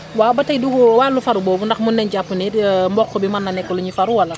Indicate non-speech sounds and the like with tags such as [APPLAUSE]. waaw ba tey dugu wàllu faru boobu ndax mën nañ jàpp ni [HESITATION] mboq bi mën naa nekk lu ñuy faru wala